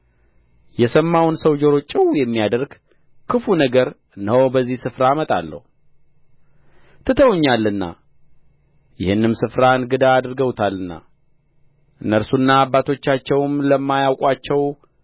የሰማውን ሰው ጆሮ ጭው የሚያደርግ ክፉ ነገር እነሆ በዚህ ስፍራ አመጣለሁ ትተውኛልና ይህንም ስፍራ እንግዳ አድርገውታልና እነርሱና አባቶቻቸውም ለማያውቋቸው